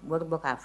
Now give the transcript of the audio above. Waribɔ'a